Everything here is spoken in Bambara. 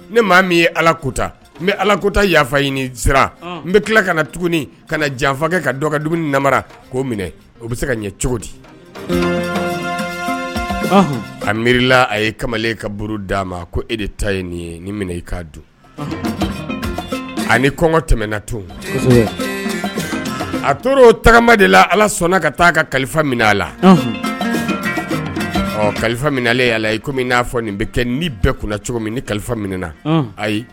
Ni maa min ye ala kuta n bɛ ala kota yafa ɲini n bɛ tila kana na tuguni ka na janfa ka dɔgɔd nara k'o minɛ o bɛ se ka ɲɛ cogo di a mila a ye kamalen kauru d'a ma ko e de ta ye nin ye ni minɛ i k ka dun ani kɔngɔ tɛmɛnɛna to a tora o tagama de la ala sɔnna ka taa a ka kalifa minɛ a la ɔ kalifa minɛn yala la i kɔmi n'a fɔ nin bɛ kɛ ni bɛɛ kunnala cogo min ni kalifa minɛɛna ayi